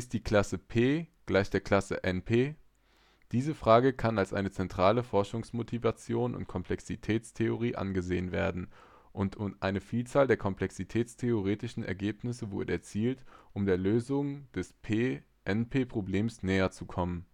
die Klasse P gleich der Klasse NP? Diese Frage kann als eine zentrale Forschungsmotivation der Komplexitätstheorie angesehen werden, und eine Vielzahl der komplexitätstheoretischen Ergebnisse wurde erzielt, um der Lösung des P-NP-Problems näher zu kommen